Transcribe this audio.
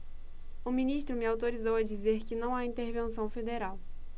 o ministro me autorizou a dizer que não há intervenção federal